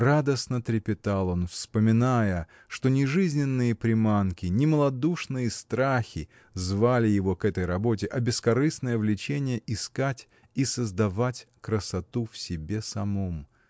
Радостно трепетал он, вспоминая, что не жизненные приманки, не малодушные страхи звали его к этой работе, а бескорыстное влечение искать и создавать красоту в себе самом.